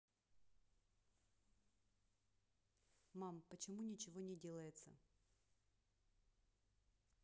мам почему ничего не делается